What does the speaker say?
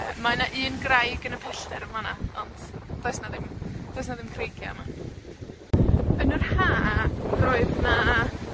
Yy, mae 'na un graig yn y pellter yn fan 'na. ond, does 'na ddim. Does 'na ddim creigia yma. Yn yr Ha, roedd 'na